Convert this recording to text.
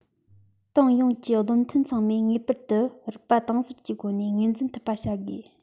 ཏང ཡོངས ཀྱི བློ མཐུན ཚང མས ངེས པར དུ རིག པ དྭངས གསལ གྱི སྒོ ནས ངོས འཛིན ཐུབ པ བྱ དགོས